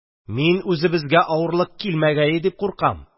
– мин үзебезгә авырлык килмәгәе дип куркам.